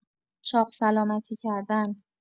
چاق‌سلامتی کردن